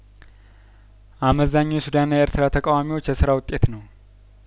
አመዛኙ የሱዳንና የኤርትራ ተቃዋሚዎች የስራ ውጤት ነው